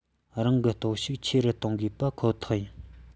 རང གི སྟོབས ཤུགས ཆེ རུ གཏོང དགོས པ ཁོ ཐག ཡིན